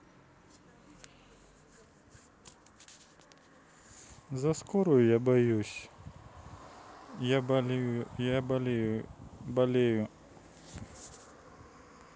за скорую я боюсь я болею болею